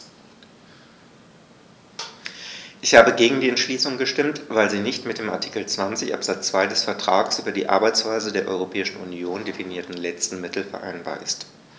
Ich habe gegen die Entschließung gestimmt, weil sie nicht mit dem in Artikel 20 Absatz 2 des Vertrags über die Arbeitsweise der Europäischen Union definierten letzten Mittel vereinbar ist.